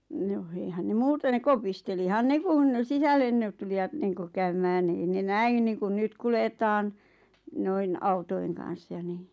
no eihän ne muuten ne kopistelihan ne kun sisälle niin tulijat niin kuin käymään niin ei ne näin niin kuin nyt kuljetaan noin autojen kanssa ja niin